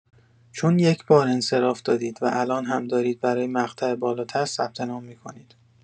چون یکبار انصراف دادید و الان هم دارید برای مقطع بالاتر ثبت‌نام می‌کنید